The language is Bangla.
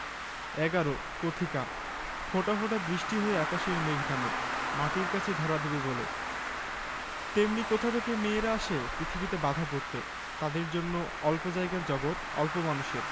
১১ কথিকা ফোঁটা ফোঁটা বৃষ্টি হয়ে আকাশের মেঘ নামে মাটির কাছে ধরা দেবে বলে তেমনি কোথা থেকে মেয়েরা আসে পৃথিবীতে বাঁধা পড়তে তাদের জন্য অল্প জায়গার জগত অল্প মানুষের